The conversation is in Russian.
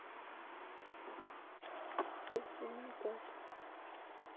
совсем никак